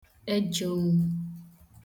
ejeònwu